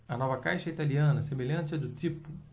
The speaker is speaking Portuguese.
a nova caixa é italiana semelhante à do tipo